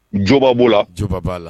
Jobaa b'o la jɔba'a la